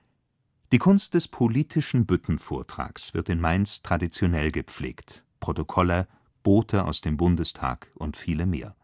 Die Kunst des politischen Büttenvortrags wird in Mainz traditionell gepflegt („ Protokoller “,„ Bote aus dem Bundestag “u.v.m.